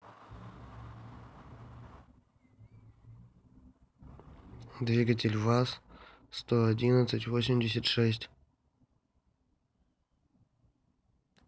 двигатель ваз сто одиннадцать восемьдесят шесть